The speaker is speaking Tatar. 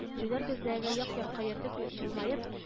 Җүләр күзләрен як-якка йөртеп, җылмаеп: